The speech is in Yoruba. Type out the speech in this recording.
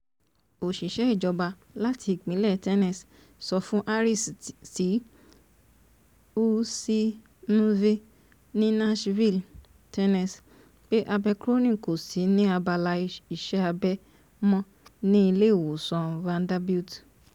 Òṣìṣẹ́ ìjọba láti ìpínlẹ̀ Tennessee sọ fún Harris ti WSMV ni Nashville, Tennessee, pé Abercrombie kò sí ní abala iṣẹ́ abẹ́ mọ́ ní Ilé Ìwòsàn Vanderbilt.